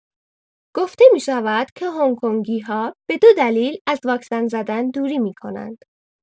گفته می‌شود که هنگ‌کنگی‌ها به دو دلیل از واکسن زدن دوری می‌کنند.